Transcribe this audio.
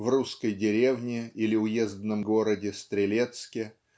в русской деревне или уездном городе Стрелецке